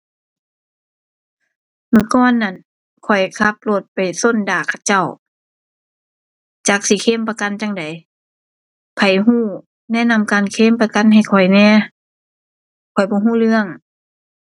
มื้อก่อนนั้นข้อยขับรถไปชนดากเขาเจ้า จักสิเคลมประกันจั่งใดไผชนแนะนำการเคลมประกันให้ข้อยแหน่ข้อยบ่ชนเรื่อง